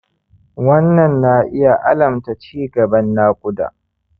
wannan na iya alamta cigaban naƙuda